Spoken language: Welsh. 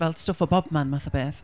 fel stwff o bobman math o beth.